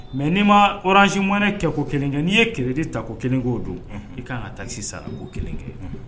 Mais n'i ma orange money kɛko 1 kɛ n'i ye credit tako 1 kɛ o don, unhun, I k'a kan ka taxe sarako 1 kɛ.